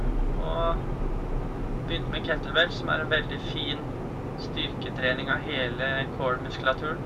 Og begynte med kettlebells, som er en veldig fin styrketrening av hele core-muskulaturen.